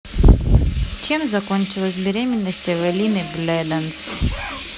чем закончилась беременность эвелины бледанс